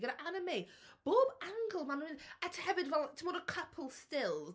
Gyda'r Anna May, bob angle maen nhw'n... a t- hefyd, timod y couple stills...